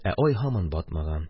Ә ай һаман батмаган.